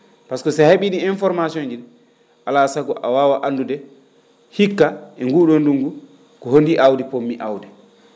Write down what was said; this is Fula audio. pasque sa he?ii ?iin information ji alaa e sago a waawat andnude hikka e nguu ?oo ndunngu ko hondii aawdi pot-mi aawde